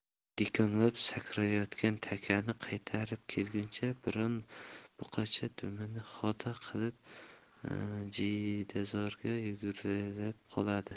dikonglab sakrayotgan takani qaytarib kelguncha biron buqacha dumini xoda qilib jiydazorga yugurgilab qoladi